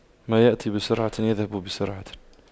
ما يأتي بسرعة يذهب بسرعة